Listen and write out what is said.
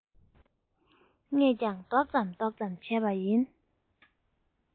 ངས ཀྱང ལྡག ཙམ ལྡག ཙམ བྱས པ ཡིན